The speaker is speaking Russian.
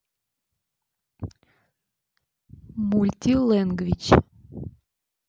мульти ленгвич